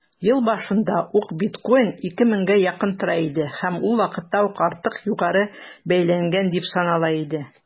Ел башында ук биткоин 2 меңгә якын тора иде һәм ул вакытта ук артык югары бәяләнгән дип санала иде.